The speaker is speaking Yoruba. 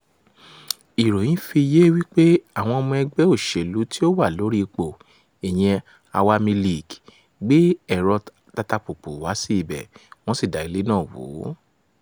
Ìròyìn fi yé wípé àwọn ọmọ ẹgbẹ́ òṣèlú tí ó wà lórí ipò ìyẹn Awami League (AL) gbé ẹ̀rọ tatapùpù wá sí ibẹ̀, wọ́n sì da ilé náà wó.